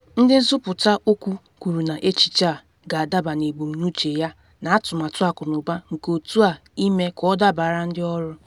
Ndị nzuputa okwu kwuru na echiche a “ga-adaba” na ebumnuche yana atụmatụ akụnụba nke otu a ime ka ọ dabaara ndị ọrụ.